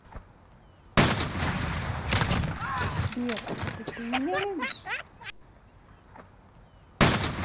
сбер это ты меня любишь